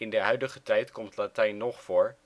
de huidige tijd komt Latijn nog voor